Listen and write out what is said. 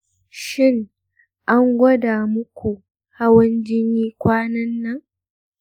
shin an gwada muku hawan jini kwanan nan?